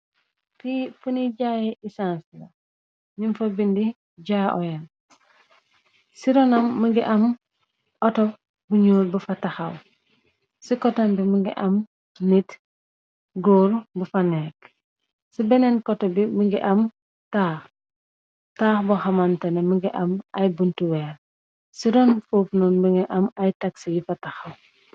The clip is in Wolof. Fi funi jaaye isense la, ñum fa bindi jah oil. ci ronam më ngi am oto buñuul bu fa tahaw, ci kotem bi më ngi am nit gór bu fa nekk, ci beneen koteh bi mu ngi am taah, taah bu hamantene mëngi am ay buntuweer. Ci roon fo fu noon mu ngi am ay taxi yu fa taxaw.